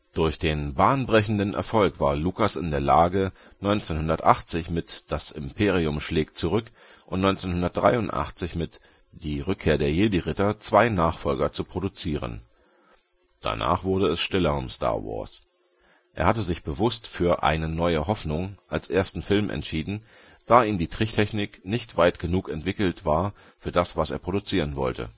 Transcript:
Durch den bahnbrechenden Erfolg war Lucas in der Lage mit Das Imperium schlägt zurück (1980) und Die Rückkehr der Jedi-Ritter (1983) zwei Nachfolger zu produzieren. Danach wurde es stiller um Star Wars. Er hatte sich bewusst für Eine neue Hoffnung als ersten Film entschieden, da ihm die Tricktechnik nicht weit genug entwickelt war für das, was er produzieren wollte